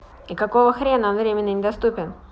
и какого хрена он временно недоступен